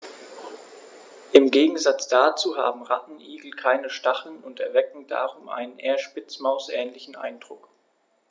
Im Gegensatz dazu haben Rattenigel keine Stacheln und erwecken darum einen eher Spitzmaus-ähnlichen Eindruck.